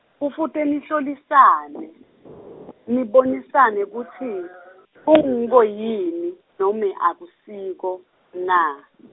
kufute nihlolisane, nibonisane kutsi, kunguko yini, nome akusiko, na?